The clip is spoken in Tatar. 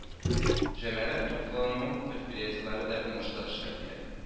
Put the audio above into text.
Җәмәгать туклануы предприятиеләре дә уңышлы эшләп килә